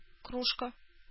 Кружка